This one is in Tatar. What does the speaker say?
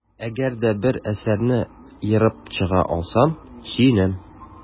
Әгәр дә бер әсәрне ерып чыга алсам, сөенәм.